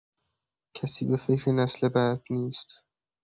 کسی به فکر نسل بعد نیست.